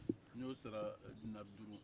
n y'o sara dinari duuru